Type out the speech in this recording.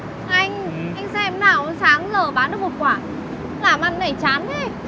anh anh xem thế nào sáng giờ bán được một quả làm ăn thế này chán thế